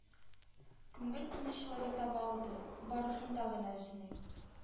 Күңел тынычлыгы таба алды, бары шунда гына үзенең